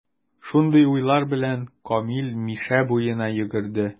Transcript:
Шундый уйлар белән, Камил Мишә буена йөгерде.